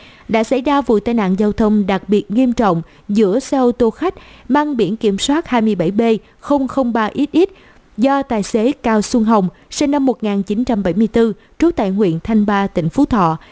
đã xảy ra vụ tai nạn giao thông đặc biệt nghiêm trọng giữa xe ô tô khách bks b xx do tài xế cao xuân hồng